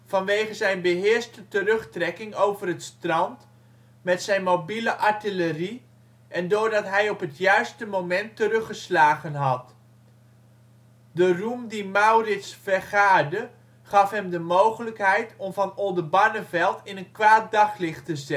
vanwege zijn beheerste terugtrekking over het strand met zijn mobiele artillerie en doordat hij op het juiste moment teruggeslagen had. De roem die Maurits vergaarde gaf hem de mogelijkheid om Van Oldenbarnevelt in een kwaad daglicht te zetten